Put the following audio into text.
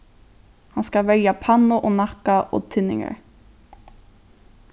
hann skal verja pannu og nakka og tinningar